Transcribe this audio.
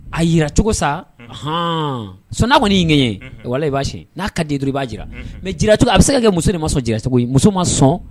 A jira cogo sa, ɔn sinon n'a kɔni y'i gɛɲɛ walahi i b'a siyɛn n'a ka di dɔrɔn i b'a jira mais jira cogo, a bɛ se ka kɛ muso de ma sɔn jira cogo in ma, muso ma sɔn